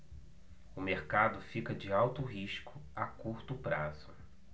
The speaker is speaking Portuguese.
o mercado fica de alto risco a curto prazo